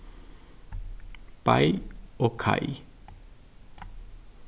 bei og kai